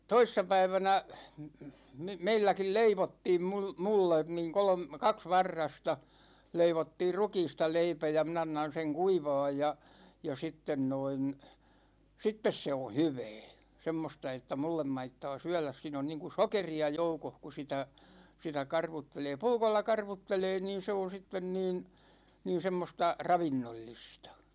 toissapäivänä meilläkin leivottiin - minulle niin - kaksi varrasta leivottiin rukiista leipä ja minä annan sen kuivaa ja ja sitten noin sitten se on hyvää semmoista että minulle maittaa syödä - siinä on niin kuin sokeria joukossa kun sitä sitä karvuttelee puukolla karvuttelee niin se on sitten niin niin semmoista ravinnollista